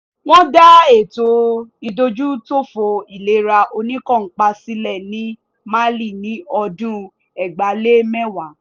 Wọ́n dá ètò ìdójútòfò ìlera oníkànńpá sílẹ̀ ní Mali ní ọdún 2010.